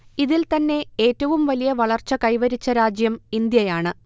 ഇതിൽ തന്നെ ഏറ്റവും വലിയ വളർച്ച കൈവരിച്ച രാജ്യം ഇന്ത്യയാണ്